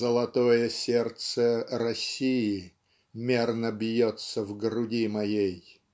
Золотое сердце России Мерно бьется в груди моей.